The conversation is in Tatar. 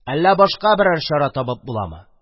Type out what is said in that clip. Әллә башка берәр чара табып буламы?